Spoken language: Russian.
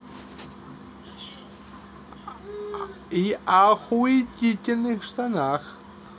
и в охуительных штанах